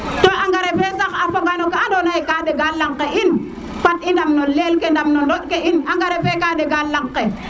to engrais fe sax a foga no ka andona ye ka ndega lang ke in fat i ndam no leel ke ndam no ndond ke in engrais fe ka ɗega lang ke